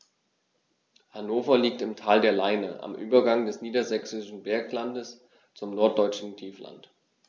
Hannover liegt im Tal der Leine am Übergang des Niedersächsischen Berglands zum Norddeutschen Tiefland.